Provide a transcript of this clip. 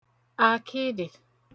àkịdị̀